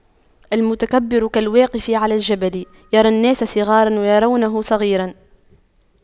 المتكبر كالواقف على الجبل يرى الناس صغاراً ويرونه صغيراً